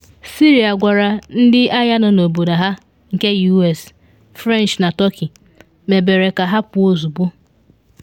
Syria gwara ‘ndị agha nọ n’obodo ha’ nke US, French na Turkey mebere ka ha pụọ ozugbo